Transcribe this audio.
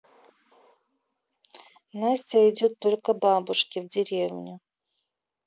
настя идет только бабушке в деревню